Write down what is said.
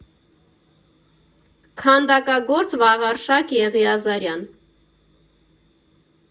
Քանդակագործ՝ Վաղարշակ Եղիազարյան։